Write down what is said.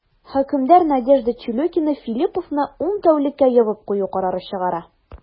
Хөкемдар Надежда Чулюкина Филлиповны ун тәүлеккә ябып кую карары чыгара.